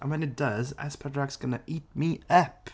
And when it does S4C is going to eat me up.